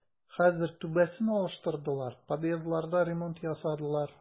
Хәзер түбәсен алыштырдылар, подъездларда ремонт ясадылар.